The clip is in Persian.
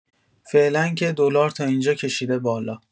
فعلا که دلار تا اینجا کشیده بالا.